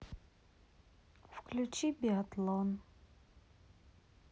включи биатлон